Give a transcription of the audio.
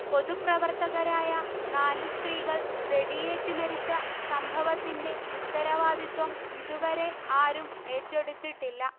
പൊതുപ്രവർത്തകരായ നാല് സ്ത്രീകൾ വെടിയേറ്റ് മരിച്ച സംഭവത്തിന്റെ ഉത്തരവാദിത്തം ഇതുവരെ ആരും ഏറ്റെടുത്തിട്ടില്ല